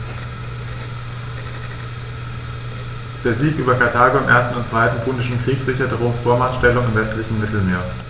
Der Sieg über Karthago im 1. und 2. Punischen Krieg sicherte Roms Vormachtstellung im westlichen Mittelmeer.